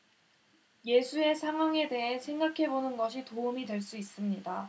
예수의 상황에 대해 생각해 보는 것이 도움이 될 수 있습니다